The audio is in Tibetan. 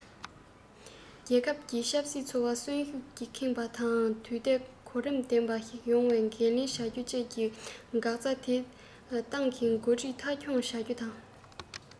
རྒྱལ ཁབ ཀྱི ཆབ སྲིད འཚོ བ གསོན ཤུགས ཀྱིས ཁེངས པ དང དུས བདེ གོ རིམ ལྡན པ ཞིག ཡོང བའི འགན ལེན བྱ རྒྱུ བཅས ཀྱི འགག རྩ དེ ཏང གི འགོ ཁྲིད མཐའ འཁྱོངས བྱ རྒྱུ དང